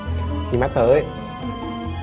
nhìn mắt tớ đi